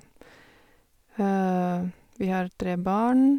Vi har tre barn.